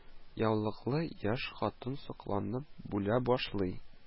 Яулыклы яшь хатын сокланып бүлә башлый